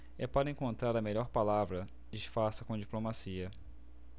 é para encontrar a melhor palavra disfarça com diplomacia